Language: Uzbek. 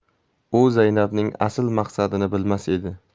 u zaynabning asl maqsadini bilmas edi